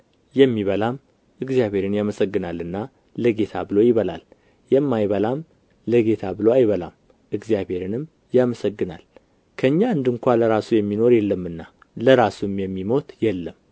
የሚበላም እግዚአብሔርን ያመሰግናልና ለጌታ ብሎ ይበላል የማይበላም ለጌታ ብሎ አይበላም እግዚአብሔርንም ያመሰግናል ከእኛ አንድ ስንኳ ለራሱ የሚኖር የለምና ለራሱም የሚሞት የለም